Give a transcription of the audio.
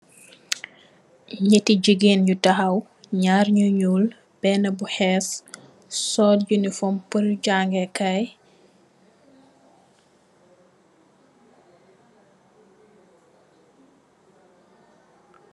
Nyetti jegueen you tahaw kene ki kou hess la sol pour uniform janngee kaiye